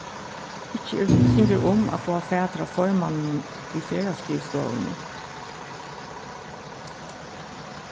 ikki er hugsingur um at fáa fatur á formanninum í ferðaskrivstovuni